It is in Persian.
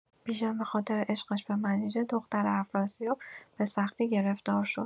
بیژن به‌خاطر عشقش به منیژه، دختر افراسیاب، به‌سختی گرفتار شد.